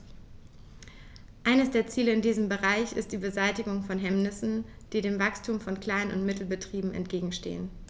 Eines der Ziele in diesem Bereich ist die Beseitigung von Hemmnissen, die dem Wachstum von Klein- und Mittelbetrieben entgegenstehen.